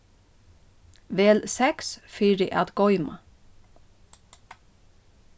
vel seks fyri at goyma